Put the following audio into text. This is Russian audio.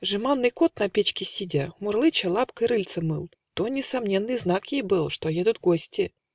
Жеманный кот, на печке сидя, Мурлыча, лапкой рыльце мыл: То несомненный знак ей был, Что едут гости.